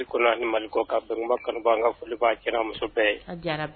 Mali kɔnɔ, Mali kɔkan Benkuma kanubaga bɛɛ, an ka foli b'a cɛ n'a muso bɛɛ ye.